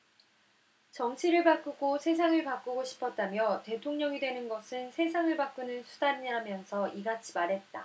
정치를 바꾸고 세상을 바꾸고 싶었다며 대통령이 되는 것은 세상을 바꾸는 수단이라면서 이같이 말했다